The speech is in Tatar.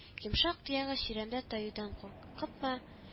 Йомшак тоягы чирәмдә таюдан куркыпмы